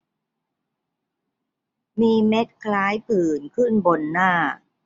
มีเม็ดคล้ายผื่นขึ้นบนหน้า